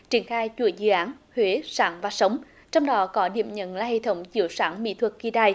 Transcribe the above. triển khai chuỗi dự án huế sáng và sống trong đó có điểm nhấn là hệ thống chiếu sáng mỹ thuật kỳ đài